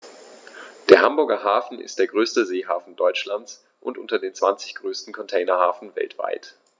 Der Hamburger Hafen ist der größte Seehafen Deutschlands und unter den zwanzig größten Containerhäfen weltweit.